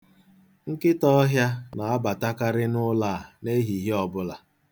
Nkịtaọhịa na-abatakarị n'ụlọ a n'ehihie ọbụla.